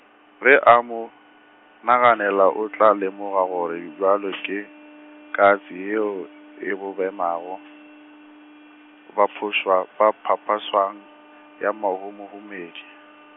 ge a mo, naganela o tla lemoga gore bjale ke, katse yeo e bobamego, ba phošwa-, ba phaphasweng, ya mahomo- -homedi.